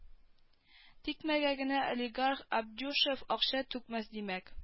Тикмәгә генә олигарах абдюшев акча түкмәс димәк